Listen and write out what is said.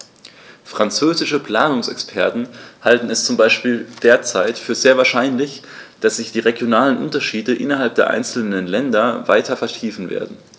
Französische Planungsexperten halten es zum Beispiel derzeit für sehr wahrscheinlich, dass sich die regionalen Unterschiede innerhalb der einzelnen Länder weiter vertiefen werden.